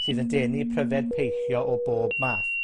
sydd yn denu pryfed peillio o bob math.